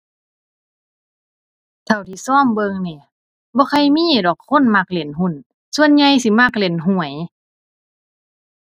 เท่าที่ซอมเบิ่งหนิ บ่ค่อยมีดอกคนมักเล่นหุ้น ส่วนใหญ่สิมักเล่นหวย